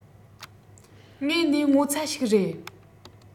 དངོས ནས ངོ ཚ ཞིག རེད